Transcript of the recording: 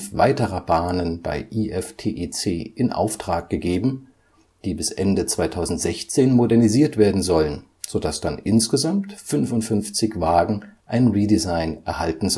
weiterer Bahnen bei IFTEC in Auftrag gegeben, die bis Ende 2016 modernisiert werden sollen, sodass dann insgesamt 55 Wagen ein Redesign erhalten